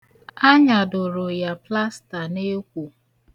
Anyadọrọ ya plasta n'ekwo.